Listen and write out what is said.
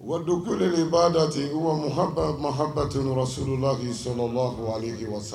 Wadu ku de b'da ten ha habat s la k'i sɔnwa sa